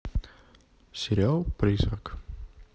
сериал призрак